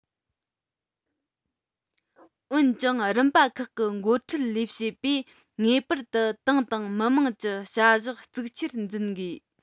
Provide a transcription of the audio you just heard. འོན ཀྱང རིམ པ ཁག གི འགོ ཁྲིད ལས བྱེད པས ངེས པར དུ ཏང དང མི དམངས ཀྱི བྱ གཞག གཙིགས ཆེར འཛིན དགོས